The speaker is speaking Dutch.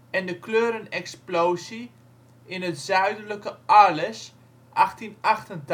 en de kleurenexplosie in het zuidelijke Arles (1888). Van